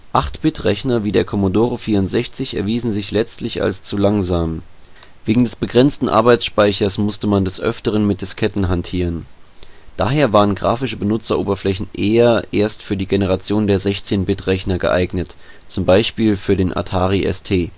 8-Bit-Rechner wie der Commodore 64 erwiesen sich letztlich als zu langsam; wegen des begrenzten Arbeitsspeichers musste man des Öfteren mit Disketten hantieren. Daher waren grafische Benutzeroberflächen eher erst für die Generation der 16-Bit-Rechner geeignet, zum Beispiel für den Atari ST